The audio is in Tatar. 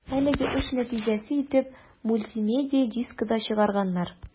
Әлеге эш нәтиҗәсе итеп мультимедия дискы да чыгарганнар.